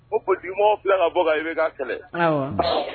U ko jugu filɛ ka bɔ i bɛ ka kɛlɛ